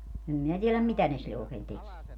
en minä tiedä mitä ne sille oikein tekee